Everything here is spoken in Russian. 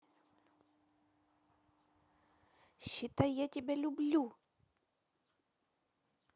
считаю я тебя люблю